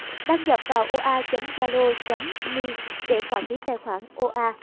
đăng nhập vào http oa zalo me để quản lý tài khoản oa